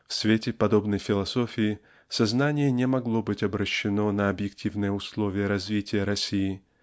В свете подобной философии сознание не могло быть обращено на объективные условия развития России